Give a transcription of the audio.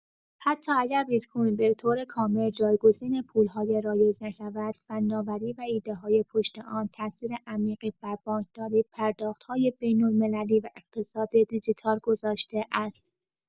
حتی اگر بیت‌کوین به‌طور کامل جایگزین پول‌های رایج نشود، فناوری و ایده‌های پشت آن تاثیر عمیقی بر بانکداری، پرداخت‌های بین‌المللی و اقتصاد دیجیتال گذاشته است.